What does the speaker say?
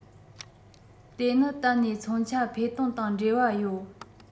དེ ནི གཏན ནས མཚོན ཆ འཕེན གཏོང དང འབྲེལ བ ཡོད